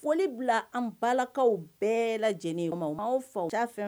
Foli bila an balakaw bɛɛ lajɛlen o ma'aw faw taa fɛ